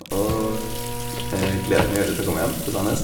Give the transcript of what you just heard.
Og jeg gleder meg veldig til å komme hjem til Sandnes.